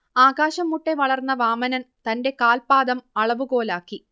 ആകാശംമുട്ടെ വളർന്ന വാമനൻ തന്റെ കാൽപ്പാദം അളവുകോലാക്കി